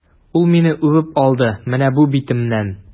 Ул мине үбеп алды, менә бу битемнән!